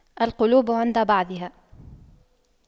القلوب عند بعضها